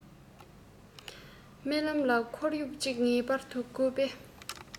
རྨི ལམ ལ ཁོར ཡུག ཅིག ངེས པར དུ དགོས པས